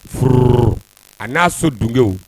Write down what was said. Furu a n'a so dunw